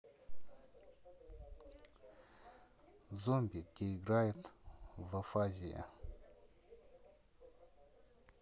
zombie где играет в афазия